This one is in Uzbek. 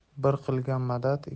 bir qilgan madad